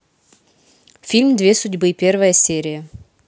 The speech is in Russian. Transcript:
фильм две судьбы первая серия